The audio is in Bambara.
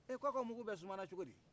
ee k'aw ka mungu bɛɛ sumana cogodi